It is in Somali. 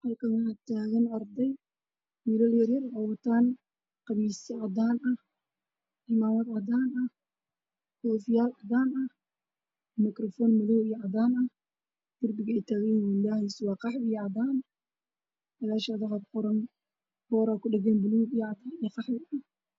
Halkaan waxaa taagan wiilal yaryar oo wato qamiisyo cadaan ah, cimaamad cadaan ah, koofiyo cadaan ah iyo makaroofano cadaan iyo madow ah, darbiga ay taagan yihiin daahiisa waa qaxwi iyo cadaan, gadaashooda waxaa kudhagan boor ah buluug, cadaan iyo qaxwi.